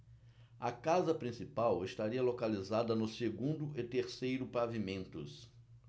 a casa principal estaria localizada no segundo e terceiro pavimentos